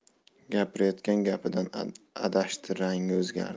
gapirayotgan gapidan adashdi rangi o'zgardi